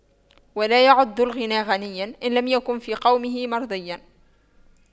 ولا يعد ذو الغنى غنيا إن لم يكن في قومه مرضيا